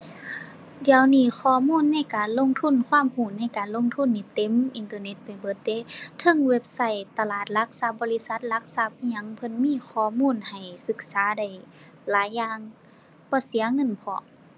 เดี๋ยวนี้ข้อมูลในการลงทุน ความรู้ในการลงทุนนี่เต็มอินเทอร์เน็ตไปเบิดเดะ เทิงเว็บไซต์ตลาดหลักทรัพย์ บริษัทหลักทรัพย์อิหยังเพิ่นมีข้อมูลให้ศึกษาได้หลายอย่าง บ่เสียเงินพร้อม ⁠